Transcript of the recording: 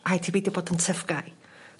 rhaid ti beidio bod yn tough guy.